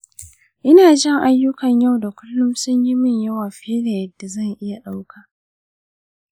ina jin ayyukan yau da kullum sun yi mini yawa fiye da yadda zan iya ɗauka.